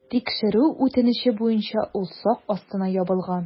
Тикшерү үтенече буенча ул сак астына ябылган.